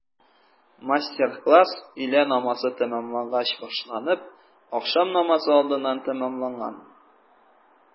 Мастер-класс өйлә намазы тәмамлангач башланып, ахшам намазы алдыннан тәмамланган.